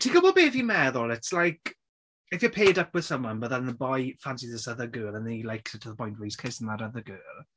Ti'n gwybod be fi'n meddwl? It's like, if you're paired up with someone but then the boy fancies this other girl and then he likes her to the point where he's kissing that other girl...